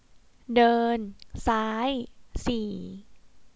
เดินซ้ายสี่